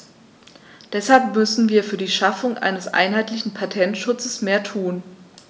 Deshalb müssen wir für die Schaffung eines einheitlichen Patentschutzes mehr tun.